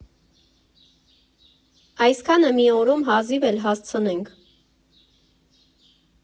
Այսքանը մի օրում հազիվ էլ հասցնենք։